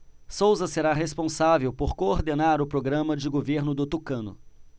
souza será responsável por coordenar o programa de governo do tucano